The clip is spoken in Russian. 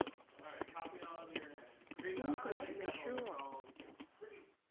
выключи ты че